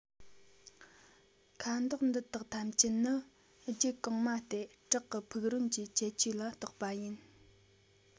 ཁ དོག འདི དག ཐམས ཅད ནི རྒྱུད གོང མ སྟེ བྲག གི ཕུག རོན གྱི ཁྱད ཆོས ལ གཏོགས པ ཡིན